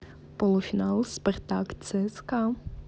полуфинал спартак цска